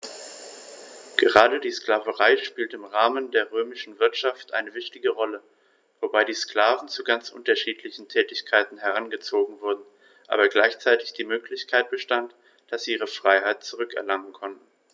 Gerade die Sklaverei spielte im Rahmen der römischen Wirtschaft eine wichtige Rolle, wobei die Sklaven zu ganz unterschiedlichen Tätigkeiten herangezogen wurden, aber gleichzeitig die Möglichkeit bestand, dass sie ihre Freiheit zurück erlangen konnten.